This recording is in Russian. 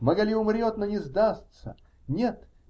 Магали умрет, но не сдастся: "Нет!